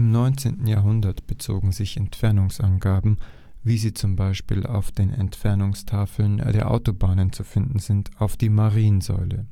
19 Jahrhundert bezogen sich die Entfernungsangaben, wie sie zum Beispiel auf den Entfernungstafeln der Autobahnen zu finden sind, auf die Mariensäule